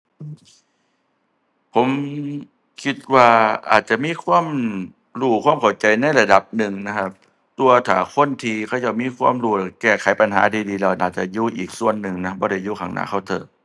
ผมคิดว่าอาจจะมีความรู้ ความเข้าใจในระดับหนึ่งนะครับ แต่ว่าถ้าคนที่เขาเจ้ามีความรู้แล้วแก้ไขปัญหาได้ดีแล้ว น่าจะอยู่อีกส่วนหนึ่งนะ บ่ได้อยู่ข้างหน้าเคาน์เตอร์